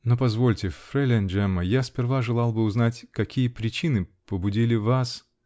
-- Но позвольте, фрейлейн Джемма, я сперва желал бы узнать, какие причины побудили вас.